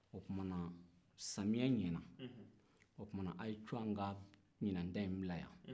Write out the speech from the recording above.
o tumana samiya ɲɛna o tumana a y'a to an ka ɲinan ta in bila yan